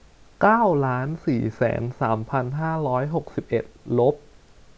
เก้าล้านสี่แสนสามพันห้าร้อยหกสิบเอ็ดลบ